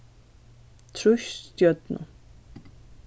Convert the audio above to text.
trýst stjørnu